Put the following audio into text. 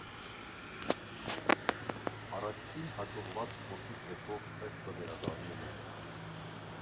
Առաջին հաջողված փորձից հետո ֆեստը վերադառնում է.